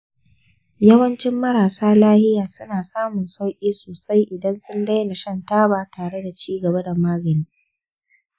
yawancin marasa lafiya suna samun sauƙi sosai idan sun daina shan taba tare da ci gaba da magani.